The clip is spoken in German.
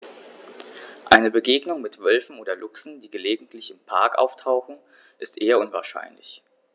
Eine Begegnung mit Wölfen oder Luchsen, die gelegentlich im Park auftauchen, ist eher unwahrscheinlich.